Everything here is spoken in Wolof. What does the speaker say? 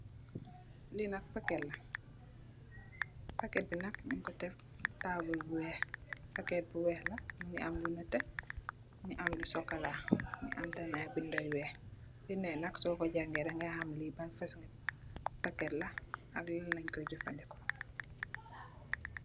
Li nak paket la, paket bi nak ñing ko tèk ci tabull bu wèèx, paket bu wèèx la mu am lu netteh mugii am lu sokola mugii am tamit ay bindi yu wèèx. Bindé yi nak so ko jangèè di ga xam li ban fasung paket la ak lan lañ koy jafandiko.